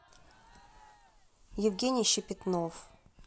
евгений щепетнов